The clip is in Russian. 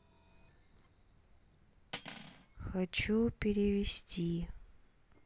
хочу перевести